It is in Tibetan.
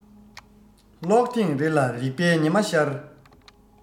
ཀློག ཐེངས རེ ལ རིག པའི ཉི མ ཤར